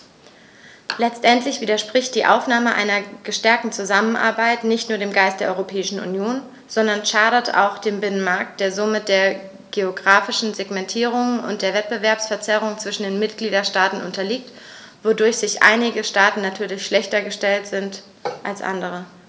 Letztendlich widerspricht die Aufnahme einer verstärkten Zusammenarbeit nicht nur dem Geist der Europäischen Union, sondern schadet auch dem Binnenmarkt, der somit der geographischen Segmentierung und der Wettbewerbsverzerrung zwischen den Mitgliedstaaten unterliegt, wodurch einige Staaten natürlich schlechter gestellt sind als andere.